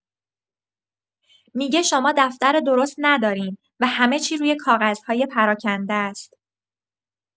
می‌گه شما دفتر درست ندارین و همه‌چی روی کاغذهای پراکنده‌ست.